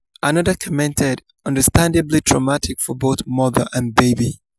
Another commented: "Understandably traumatic for both mother and baby.